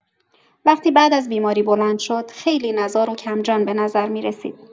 وقتی بعد از بیماری بلند شد، خیلی نزار و کم‌جان به نظر می‌رسید.